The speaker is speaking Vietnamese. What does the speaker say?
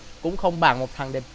cũng không bằng một thằng đẹp